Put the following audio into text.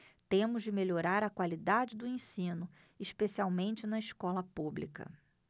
temos de melhorar a qualidade do ensino especialmente na escola pública